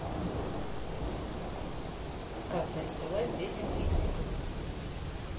как нарисовать детям фиксиков